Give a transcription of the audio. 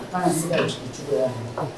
A' se ci wa